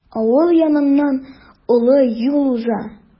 Авыл яныннан олы юл уза.